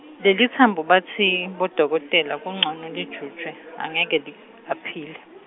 Lelitsambo batsi, bodokotela kuncono lijutjwe, angeke li aphile.